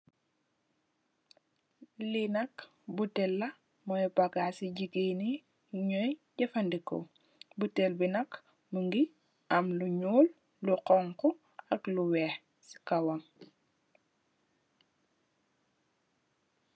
Lee nak botel la moye bagasse jegain ne yunuy jefaneku botel be nak muge am lu nuul lu xonxo ak lu weex se kawam.